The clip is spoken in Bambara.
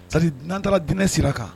Sabu n'an taara dinɛ sira kan